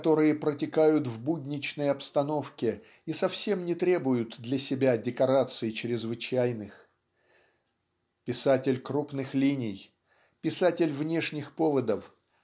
которые протекают в будничной обстановке и совсем не требуют для себя декораций чрезвычайных! Писатель крупных линий писатель внешних поводов